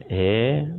Ɛɛ